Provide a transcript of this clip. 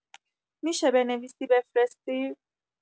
می‌شه بنویسی بفرستی